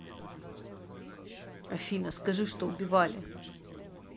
афина скажи что убивали